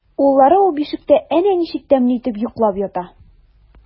Уллары ул бишектә әнә ничек тәмле итеп йоклап ята!